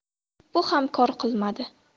bu ham kor qilmadi